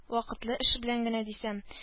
Вакытлы эш белән генэ дисәм